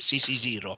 CC0.